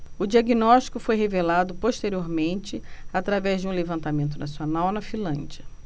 o diagnóstico foi revelado posteriormente através de um levantamento nacional na finlândia